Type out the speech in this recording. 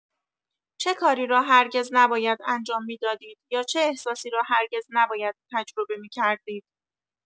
چه کاری را هرگز نباید انجام می‌دادید یا چه احساسی را هرگز نباید تجربه می‌کردید؟